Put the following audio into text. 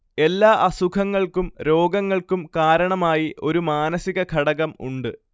എല്ലാ അസുഖങ്ങൾക്കും രോഗങ്ങൾക്കും കാരണമായി ഒരു മാനസികഘടകം ഉണ്ട്